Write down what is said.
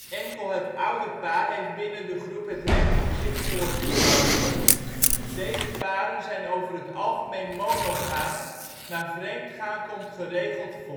Enkel het ouderpaar heeft binnen de groep het recht om zich voort te planten. Deze paren zijn over het algemeen monogaam, maar " vreemdgaan " komt geregeld voor